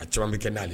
A jɔrn bɛ kɛ n'ale ye.